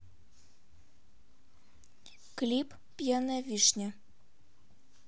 клип пьяная вишня